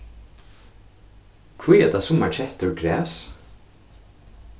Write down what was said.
hví eta summar kettur gras